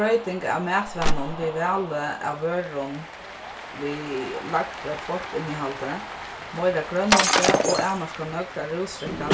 broyting av matvanum við vali av vørum við lægri feittinnihaldi meira grønmeti og avmarkað nøgd av rúsdrekka